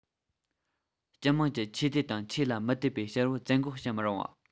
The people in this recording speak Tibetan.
སྤྱི དམངས ཀྱི ཆོས དད དང ཆོས ལ མི དད པའི བྱ བར བཙན འགོག བྱེད མི རུང ལ